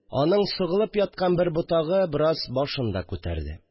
Аның сыгылып яткан бер ботагы бераз башын да күтәрде